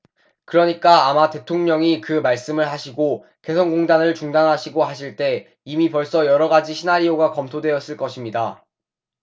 그러니까 아마 대통령이 그 말씀을 하시고 개성공단을 중단하시고 하실 때 이미 벌써 여러 가지 시나리오가 검토되었을 것입니다